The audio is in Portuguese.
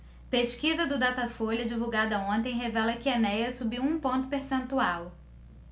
pesquisa do datafolha divulgada ontem revela que enéas subiu um ponto percentual